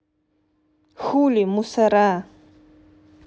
хули мусора